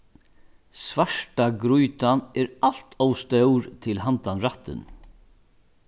svarta grýtan er alt ov stór til handan rættin